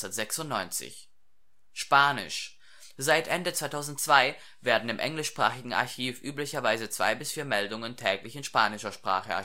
1996 Spanisch: Seit Ende 2002 werden im englischsprachigen Archiv üblicherweise zwei bis vier Meldungen täglich in spanischer Sprache